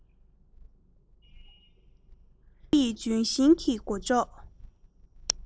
གཡུ ཡི ལྗོན ཤིང གི མགོ ལྕོག